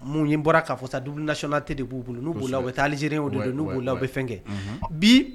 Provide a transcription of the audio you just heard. Mun ye bɔra k' fɔsa dugutionate tɛ de b'u bolo n''u la u bɛ taa alize o de n' b'u la u bɛ fɛn kɛ bi